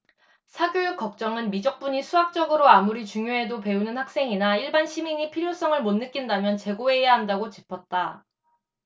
사교육걱정은 미적분이 수학적으로 아무리 중요해도 배우는 학생이나 일반 시민이 필요성을 못 느낀다면 재고해야 한다고 짚었다